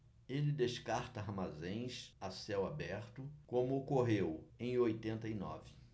ele descarta armazéns a céu aberto como ocorreu em oitenta e nove